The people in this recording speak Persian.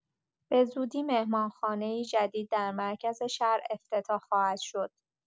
به‌زودی مهمانخانه‌ای جدید در مرکز شهر افتتاح خواهد شد.